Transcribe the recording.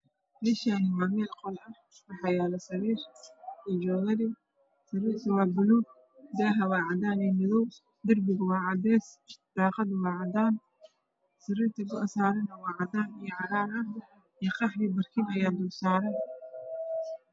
Meshaani waa meel qol ah waxa yaalo sariir iyo joodari sarirta waa baluug Daaha waa cadaan iyo madow darbigu waa cadees daaqada waa cadan sarirta go'a sarana waa cadaan iyo cagaar ah iyo qaxwe barkiin aya dul saaran